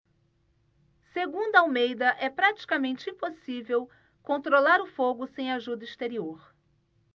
segundo almeida é praticamente impossível controlar o fogo sem ajuda exterior